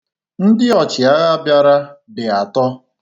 Ndị ọchịagha bịara dị atọ.